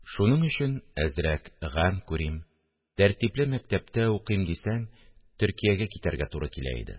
Шуның өчен әзрәк гамь күрим, тәртипле мәктәптә укыйм дисәң, Төркиягә китәргә туры килә иде